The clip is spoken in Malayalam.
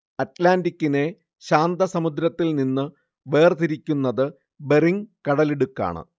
അറ്റ്ലാന്റിക്കിനെ ശാന്തസമുദ്രത്തിൽനിന്നു വേർതിരിക്കുന്നതു ബെറിങ് കടലിടുക്കാണ്